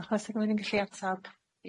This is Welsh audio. Diolch os y'n rwyn yn gallu atab?